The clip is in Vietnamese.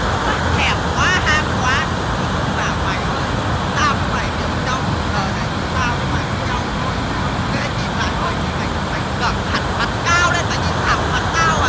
nó mà thèm quá ham quá thì cúi xuống bảo mày ơi tao với mày hiểu nhau ở trên đời này chỉ có tao với mày với nhau tôi ô kê nhìn lại mình đi mày mày ngẩng hẳn mặt cao lên mà nhìn thẳng vào mặt tao